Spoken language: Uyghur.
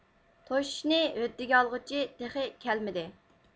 توشۇشنى ھۆددىگە ئالغۇچى تېخى كەلمىدى